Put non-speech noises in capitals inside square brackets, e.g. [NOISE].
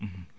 [HESITATION] [HESITATION]